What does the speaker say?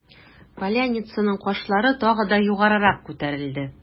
Поляницаның кашлары тагы да югарырак күтәрелде.